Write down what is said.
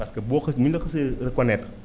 parce que boo xasee bu ñu la xasee reconnaitre